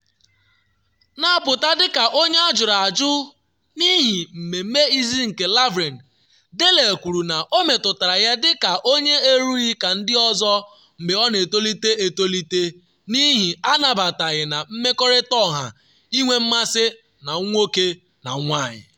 Na-apụta dịka onye ajụrụ ajụ n’ihe mmemme izizi nke Laverne, Daley kwuru na ọ metụtara ya dịka “onye erughị” ka ndị ọzọ mgbe ọ na-etolite etolite n’ihi “anabataghị na mmekọrịta ọha inwe mmasị na nwoke na nwanyị.”